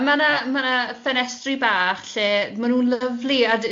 A ma'na ma'na ffenestri bach lle ma' nhw'n lyfli,